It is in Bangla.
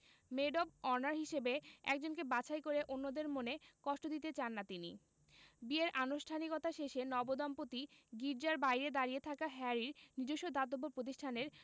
মেড অব অনার হিসেবে একজনকে বাছাই করে অন্যদের মনে কষ্ট দিতে চান না তিনি বিয়ের আনুষ্ঠানিকতা শেষে নবদম্পতি গির্জার বাইরে দাঁড়িয়ে থাকা হ্যারির নিজস্ব দাতব্য প্রতিষ্ঠানের